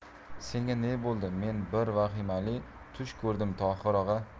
senga ne bo'ldi men bir vahimali tush ko'rdim tohir og'a